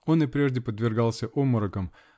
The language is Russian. Он и прежде подвергался обморокам